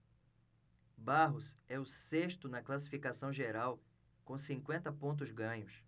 barros é o sexto na classificação geral com cinquenta pontos ganhos